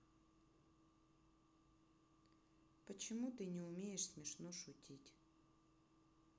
почему ты не умеешь смешно шутить